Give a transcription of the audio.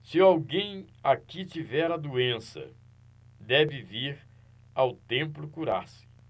se alguém aqui tiver a doença deve vir ao templo curar-se